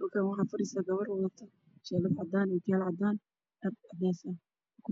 Wax gabar wadato taroxad cadaan abaayad iyo okayaalo